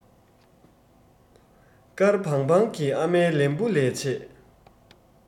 དཀར བང བང གི ཨ མའི ལན བུ ལས ཆད